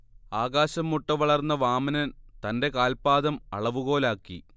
ആകാശംമുട്ടെ വളർന്ന വാമനൻ തന്റെ കാൽപ്പാദം അളവുകോലാക്കി